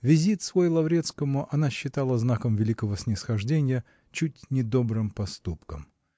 Визит свой Лаврецкому она считала знаком великого снисхожденья, чуть не добрым поступком.